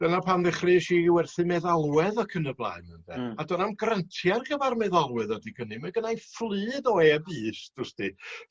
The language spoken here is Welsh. Dyna pam ddechreuesh i i werthu meddalwedd ac yn y blaen ynde. Hmm. A do'n na'm grantia a'r gyfar meddalwedd adeg hynny ma' gynnai fflydd o e-bust wsdi